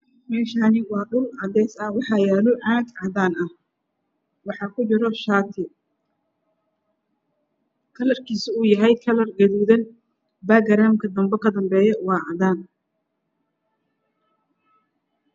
Meeshaan waa dhul cadeys ah waxaa yaalo caag cadaan ah waxaa kujira shaati gaduud ah baagaroonka dambe waa cadaan.